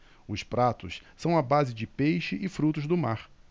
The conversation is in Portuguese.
os pratos são à base de peixe e frutos do mar